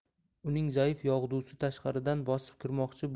uning zaif yog'dusi tashqaridan bosib kirmoqchi